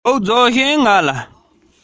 ད ཆ དེ ཚོ ནི ཕྱིར དྲན